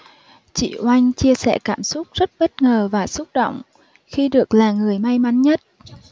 chị oanh chia sẻ cảm xúc rất bất ngờ và xúc động khi được là người may mắn nhất